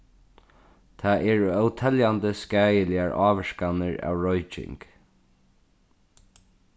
tað eru óteljandi skaðiligar ávirkanir av royking